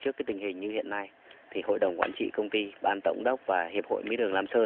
trước tình hình như hiện nay thì hội đồng quản trị công ty ban tổng đốc và hiệp hội mía đường lam sơn